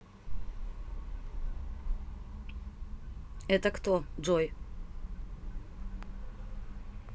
это кто джой